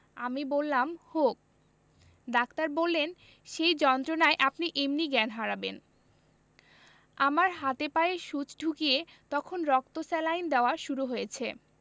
আমি বললাম হোক ডাক্তার বললেন সেই যন্ত্রণায় আপনি এমনি জ্ঞান হারাবেন আমার হাতে পায়ে সুচ ঢুকিয়ে তখন রক্ত স্যালাইন দেওয়া শুরু হয়েছে